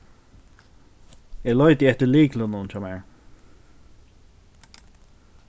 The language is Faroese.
eg leiti eftir lyklunum hjá mær